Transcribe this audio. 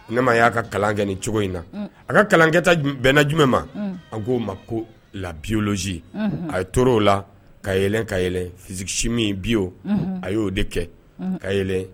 Ne ma y'a ka kalan kɛ ni cogo in na a ka kalankɛta bɛnna jum ma an k'o ma ko la bi i a ye to o la ka yɛlɛ ka yɛlɛ siisisi min bi oo a y'o de kɛ ka yɛlɛ